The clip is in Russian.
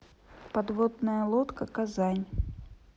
подводная лодка казань